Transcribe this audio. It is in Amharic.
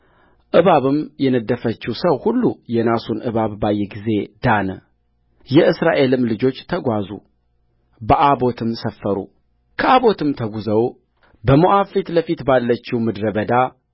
እባብም የነደፈችው ሰው ሁሉ የናሱን እባብ ባየ ጊዜ ዳነየእስራኤልም ልጆች ተጓዙ በኦቦትም ሰፈሩከኦቦትም ተጕዘው በሞዓብ ፊት ለፊት ባለችው ምድረ በዳ